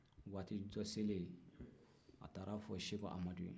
waati dɔ selen a taara fɔ seko amadu ye